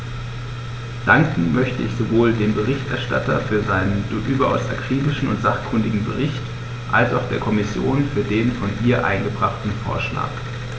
Danken möchte ich sowohl dem Berichterstatter für seinen überaus akribischen und sachkundigen Bericht als auch der Kommission für den von ihr eingebrachten Vorschlag.